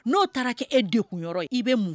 N'o taara' e de kun yɔrɔ i bɛ mun